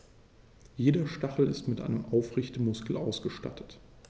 Jeder Stachel ist mit einem Aufrichtemuskel ausgestattet.